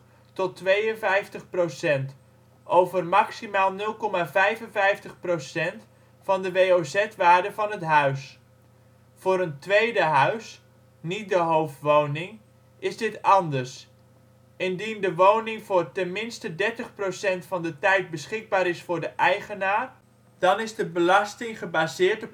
33,65 % tot 52 %) over maximaal 0,55 % van de WOZ-waarde van het huis. Voor een tweede huis (niet de hoofdwoning) is dit anders. Indien de woning voor tenminste 30 % van de tijd beschikbaar is voor de eigenaar, dan is de belasting gebaseerd